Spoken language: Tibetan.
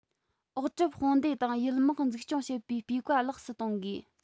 འོག གྲབས དཔུང སྡེ དང ཡུལ དམག འཛུགས སྐྱོང བྱེད པའི སྤུས ཀ ལེགས སུ གཏོང དགོས